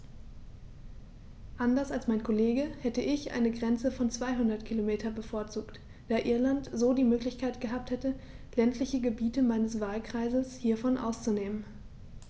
Anders als mein Kollege hätte ich eine Grenze von 200 km bevorzugt, da Irland so die Möglichkeit gehabt hätte, ländliche Gebiete meines Wahlkreises hiervon auszunehmen.